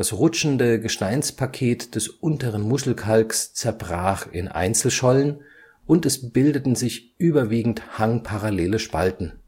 rutschende Gesteinspaket des Unteren Muschelkalks zerbrach in Einzelschollen und es bildeten sich überwiegend hangparallele Spalten